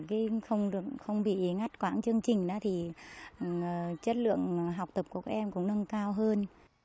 riêng không đụng không bị ngắt quãng chương trình đã thì ngờ chất lượng học tập của các em cũng nâng cao hơn